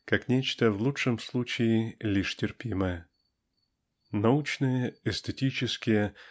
как нечто--в лучшем случае-- лишь терпимое. Научные эстетические